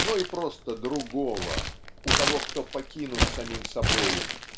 но и просто другого -- у того кто покинут самим собою.